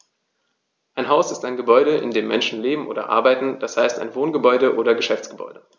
Ein Haus ist ein Gebäude, in dem Menschen leben oder arbeiten, d. h. ein Wohngebäude oder Geschäftsgebäude.